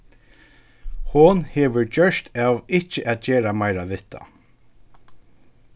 hon hevur gjørt av ikki at gera meira við tað